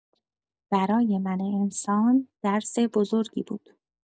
برای من انسان درس بزرگی بود.